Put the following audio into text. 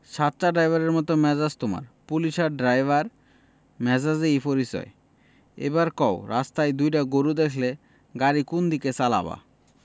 সাচ্চা ড্রাইভারের মত মেজাজ তোমার পুলিশ আর ড্রাইভার মেজাজেই পরিচয় এইবার কও রাস্তায় দুইটা গরু দেখলে গাড়ি কোনদিকে চালাবা